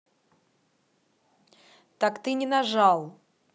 так ты не нажал